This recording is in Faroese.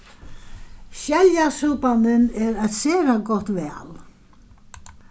skeljasúpanin er eitt sera gott val